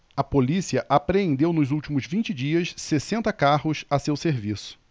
a polícia apreendeu nos últimos vinte dias sessenta carros a seu serviço